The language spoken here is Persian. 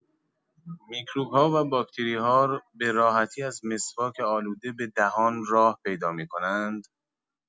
میکروب‌ها و باکتری‌ها به راحتی از مسواک آلوده به دهان راه پیدا می‌کنند؟